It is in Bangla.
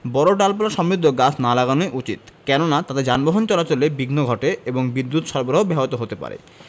বড় ডালপালাসমৃদ্ধ গাছ না লাগানোই উচিত কেননা তাতে যানবাহন চলাচলে বিঘ্ন ঘটে এবং বিদ্যুত সরবরাহ ব্যাহত হতে পারে